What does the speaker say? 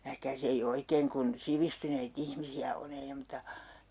nähkääs ei oikein kun sivistyneitä ihmisiä on ei ne mutta